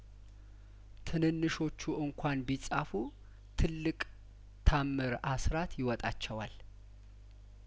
ትንንሾቹ እንኳን ቢጻፉ ትልቅ ታምር አስራት ይወጣቸዋል